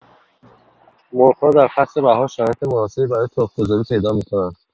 مرغ‌ها در فصل بهار شرایط مناسبی برای تخم‌گذاری پیدا می‌کنند.